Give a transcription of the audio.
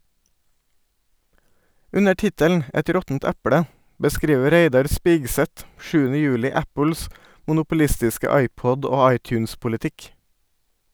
Under tittelen "Et råttent eple" beskriver Reidar Spigseth sjuende juli Apples monopolistiske iPod- og iTunes-politikk.